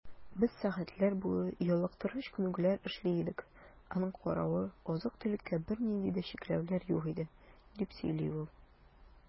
Без сәгатьләр буе ялыктыргыч күнегүләр эшли идек, аның каравы, азык-төлеккә бернинди дә чикләүләр юк иде, - дип сөйли ул.